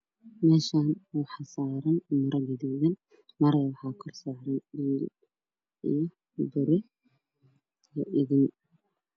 Meeshaan waxaa saaran maro guduudan marada waxaa kor saaran alaabtii dhaqanka somalida hore